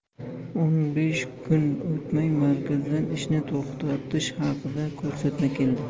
o'n besh kun o'tmay markazdan ishni to'xtatish haqida ko'rsatma keldi